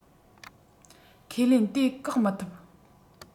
ཁས ལེན དེ བཀག མི ཐུབ